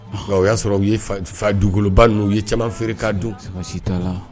O ya sɔrɔ u ye fa dugukoloba nunun, u ye caman feere ka dun.